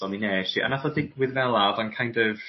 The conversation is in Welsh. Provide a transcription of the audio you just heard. so mi nesh i a nath o ddigwydd fel 'a o'dd o'n kind of